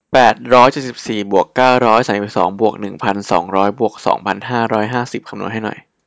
แปดร้อยเจ็ดสิบสี่บวกเก้าร้อยสามสิบสองบวกหนึ่งพันสองร้อยบวกสองพันห้าร้อยห้าสิบคำนวณให้หน่อย